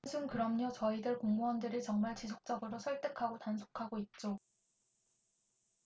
박원순 그럼요 저희들 공무원들이 정말 지속적으로 설득하고 단속하고 있죠